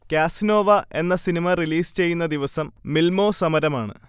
Casanova എന്ന cinema release ചെയ്യുന്ന ദിവസം മില്മാേ സമരമാണ്